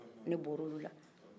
ne bɔr'olu la